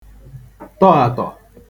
tọ àtọ̀